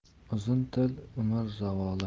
uzun til umr zavoli